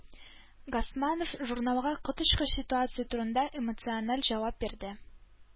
Госманов журналга коточкыч ситуация турында эмоциональ җавап бирде.